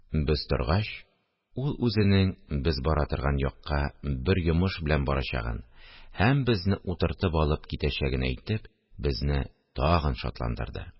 Без торгач, ул үзенең без бара торган якка бер йомыш белән барачагын һәм безне утыртып алып китәчәген әйтеп, безне тагын шатландырды